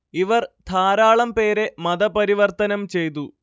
ഇവര്‍ ധാരാളം പേരെ മത പരിവര്‍ത്തനം ചെയ്തു